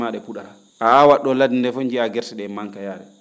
maa ?e pu?ara a aawat ?oo ladde ndee fof njiyaa gerse ?ee manka yaade